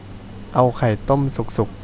เอาไข่ต้มสุกสุก